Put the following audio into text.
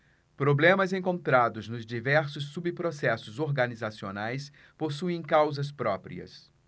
problemas encontrados nos diversos subprocessos organizacionais possuem causas próprias